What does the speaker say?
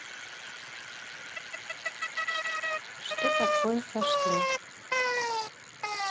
что такое сошло